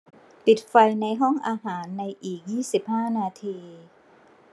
ปิดไฟในห้องอาหารในอีกยี่สิบห้านาที